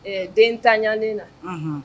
Ɛɛ den ta ɲanen na